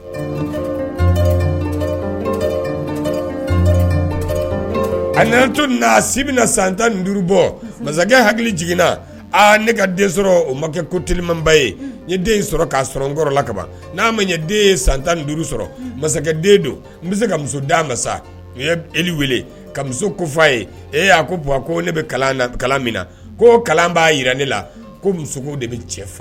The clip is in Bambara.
A si san tan ni hakili jigin ne den ma kɛ koeliba ye den ka n la n den ye san tan ni duuru sɔrɔ masakɛ n se ka muso u e weele ka muso ko ye ko ne kalan na min na kalan b'a jira ne la